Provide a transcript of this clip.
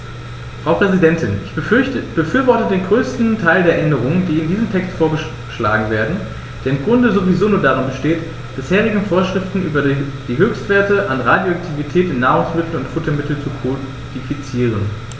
Frau Präsidentin, ich befürworte den größten Teil der Änderungen, die in diesem Text vorgeschlagen werden, der im Grunde sowieso nur darin besteht, bisherige Vorschriften über die Höchstwerte an Radioaktivität in Nahrungsmitteln und Futtermitteln zu kodifizieren.